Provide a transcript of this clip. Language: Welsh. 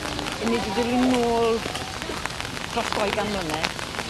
'Yn ni di dilyn nôl dros doi gan mlyne